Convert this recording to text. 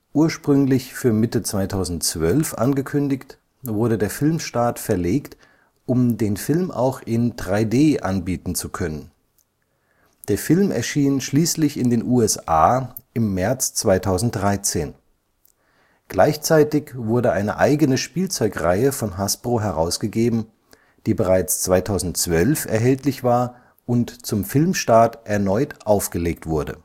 Ursprünglich für Mitte 2012 angekündigt, wurde der Filmstart verlegt, um den Film auch in 3D anbieten zu können. Der Film erschien schließlich in den USA im März 2013. Gleichzeitig wurde eine eigene Spielzeugreihe von Hasbro herausgegeben, die bereits 2012 erhältlich war und zum Filmstart erneut aufgelegt wurde